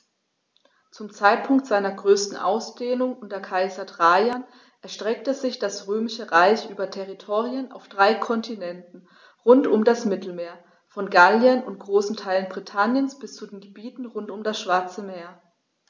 Zum Zeitpunkt seiner größten Ausdehnung unter Kaiser Trajan erstreckte sich das Römische Reich über Territorien auf drei Kontinenten rund um das Mittelmeer: Von Gallien und großen Teilen Britanniens bis zu den Gebieten rund um das Schwarze Meer.